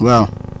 waaw